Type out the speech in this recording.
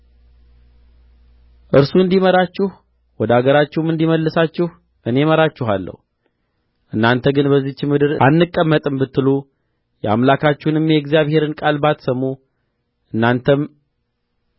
እርሱ እንዲምራችሁ ወደ አገራችሁም እንዲመልሳችሁ እኔ እምራችኋለሁ እናንተ ግን በዚህች ምድር አንቀመጥም ብትሉ የአምላካችሁንም የእግዚአብሔርን ቃል ባትሰሙ እናንተም